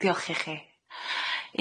Diolch i chi.